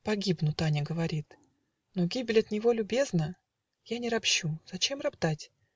"Погибну, - Таня говорит, - Но гибель от него любезна. Я не ропщу: зачем роптать?